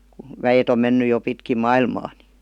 kun väet on mennyt jo pitkin maailmaa niin